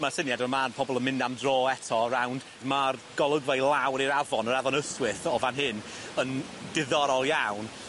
Ma'r syniad yma o'r pobol yn mynd am dro eto rownd ma'r golygfa i lawr i'r afon yr Afon Ystwyth o fan hyn yn diddorol iawn.